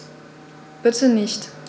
Bitte nicht.